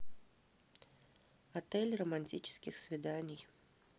отель романтических свиданий